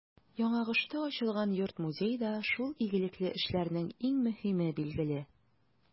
Яңагошта ачылган йорт-музей да шул игелекле эшләрнең иң мөһиме, билгеле.